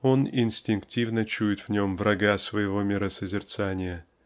Он инстинктивно чует в нем врага своего миросозерцания